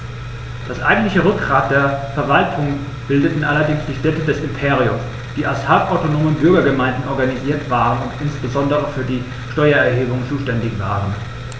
Das eigentliche Rückgrat der Verwaltung bildeten allerdings die Städte des Imperiums, die als halbautonome Bürgergemeinden organisiert waren und insbesondere für die Steuererhebung zuständig waren.